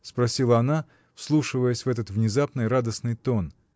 — спросила она, вслушиваясь в этот внезапный, радостный тон.